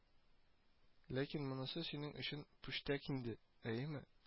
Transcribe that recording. Ләкин монысы синең өчен пүчтәк инде, әеме